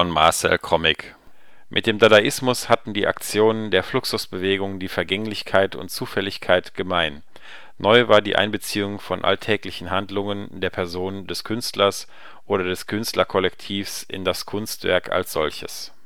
Marcel Chromik). Mit dem Dadaismus hatten die Aktionen der Fluxusbewegung die Vergänglichkeit und Zufälligkeit gemein, neu war die Einbeziehung von alltäglichen Handlungen, der Person des Künstlers oder des Künstlerkollektivs in das Kunstwerk als solches